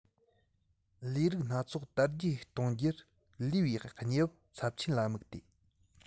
ལས རིགས སྣ ཚོགས དར རྒྱས གཏོང རྒྱུར ལུས པའི གནས བབ ཚབས ཆེན ལ དམིགས ཏེ